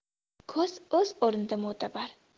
ko'z o'z o'rnida mo'tabar